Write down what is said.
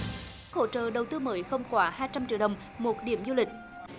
hỗ trợ đầu tư mới không quá hai trăm triệu đồng một điểm du lịch